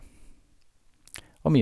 Og mye...